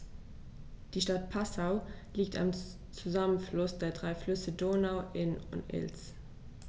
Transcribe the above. Die Stadt Passau liegt am Zusammenfluss der drei Flüsse Donau, Inn und Ilz.